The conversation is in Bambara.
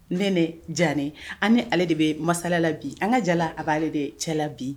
Ne de diya an ni ale de bɛ masalala bi an ka jala a b'ale de cɛ la bi